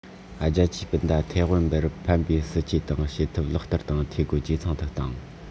རྒྱ ཆེའི སྤུན ཟླ ཐའེ ཝན པར ཕན པའི སྲིད ཇུས དང བྱེད ཐབས ལག བསྟར དང འཐུས སྒོ ཇེ ཚང དུ བཏང